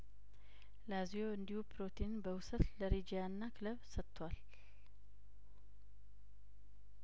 ላዚዮ እንዲሁ ፕሮቲንን በውሰት ለሬጂያና ክለብ ሰጥቷል